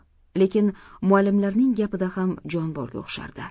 lekin muallimlarning gapida ham jon borga o'xshardi